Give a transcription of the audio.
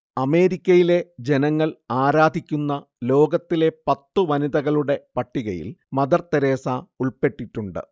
അമേരിക്കയിലെ ജനങ്ങൾ ആരാധിക്കുന്ന ലോകത്തിലെ പത്തു വനിതകളുടെ പട്ടികയിൽ മദർ തെരേസ ഉൾപ്പെട്ടിട്ടുണ്ട്